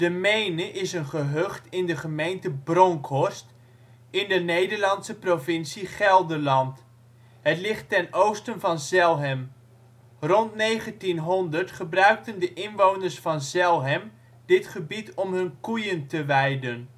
Meene is een gehucht in de gemeente Bronckhorst, in de Nederlandse provincie Gelderland. Het ligt ten oosten van Zelhem. Rond 1900 gebruikten de inwoners van Zelhem dit gebied om hun koeien te weiden